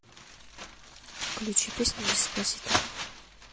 включи песню деспасито